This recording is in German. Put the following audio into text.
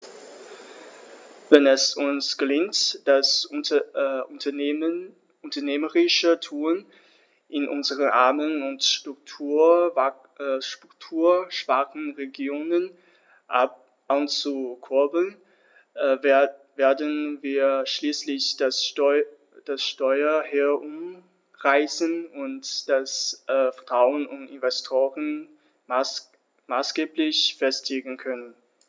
Wenn es uns gelingt, das unternehmerische Tun in unseren armen und strukturschwachen Regionen anzukurbeln, werden wir schließlich das Steuer herumreißen und das Vertrauen von Investoren maßgeblich festigen können.